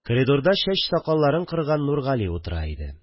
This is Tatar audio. Коридорда чәч-сакалларын кырган Нургали утыра иде